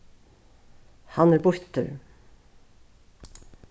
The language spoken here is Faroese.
hann er býttur